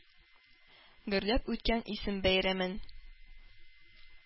Гөрләп үткән исем бәйрәмен,